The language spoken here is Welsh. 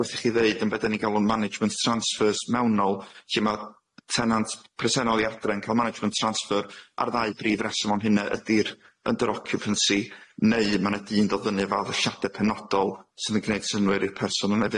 wethwch chi ddeud yn be' dyn ni galw'n management transfers mewnol lle ma' tenant presennol i adre yn ca'l management transfer ar ddau pridd reswm o'n hynna ydi'r under occupancy neu ma' na dy'n dod fynny efo addasiade penodol sydd yn gneud synnwyr i'r person yn y